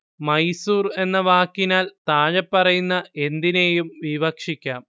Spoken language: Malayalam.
മൈസൂർ എന്ന വാക്കിനാൽ താഴെപ്പറയുന്ന എന്തിനേയും വിവക്ഷിക്കാം